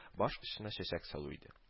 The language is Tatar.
Баш очына чәчәк салу иде